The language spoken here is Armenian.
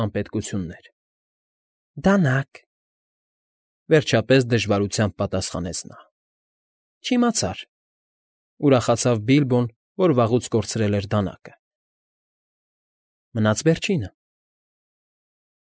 Անպետքություններ։ ֊ Դանակ,֊ վերջապես դժվարութմյաբ պատասխանեց նա։ ֊ Չիմացար,֊ ուրախացավ Բիլբոն, որ վաղուց կորցրել էր դանակը։֊ Մնաց վերջինը։